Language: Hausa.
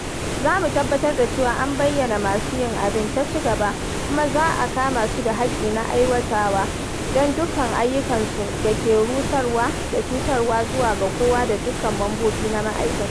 Za mu tabbatar da cewa an bayyana masu yin abin, ta ci gaba, "kuma za a kama su da haƙƙi na aikatawa don dukkan ayukansu da ke rusarwa da cutarwa zuwa ga kowa da dukkan mambobi na ma'aikatana."